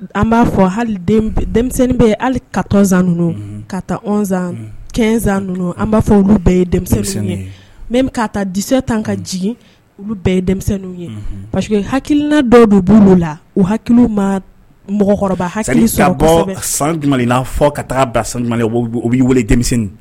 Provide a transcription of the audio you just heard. An b'a fɔ denmisɛnnin bɛ hali ka tɔnsan ninnu kaz kɛsan ninnu an b'a fɔ olu bɛɛ ye denmisɛnnin ye n ka ta di tan ka jigi olu bɛɛ ye denmisɛnnin ye parceseke hakiina dɔ don b' la u hakiliki ma mɔgɔkɔrɔba bɔ san fɔ ka taa bauman u b' weele denmisɛnnin